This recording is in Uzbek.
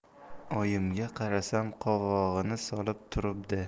oyimga qarasam qovog'ini solib turibdi